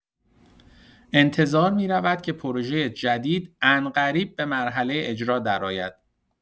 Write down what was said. انتظار می‌رود که پروژۀ جدید عنقریب به مرحله اجرا درآید.